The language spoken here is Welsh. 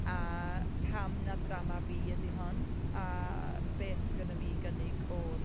A pam na drama fi ydy hon? A, beth sydd gynna fi i gynnig o'r...